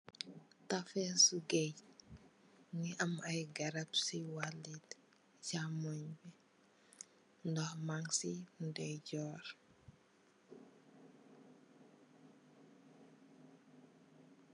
Tefessu gaaj mugii am ay garap ci wali camooy bi dox man ci ndayjoor bi.